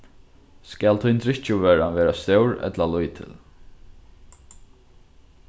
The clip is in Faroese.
skal tín drykkjuvøra vera stór ella lítil